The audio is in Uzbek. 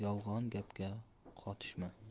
yolg'on gapga qotishma